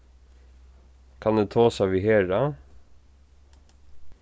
kann eg tosa við hera